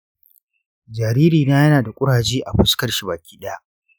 jaririna yana da kuraje a fuskarshi baki ɗaya.